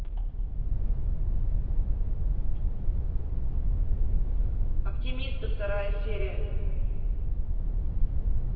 оптимисты вторая серия